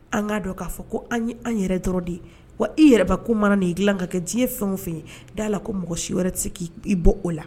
An k'a dɔn k'a fɔ ko an an yɛrɛ dɔrɔn de ye wa i yɛrɛba ko mana nai dilan ka kɛ diɲɛ fɛnw fɛ ye' la ko mɔgɔ si wɛrɛ tɛ k' i bɔ o la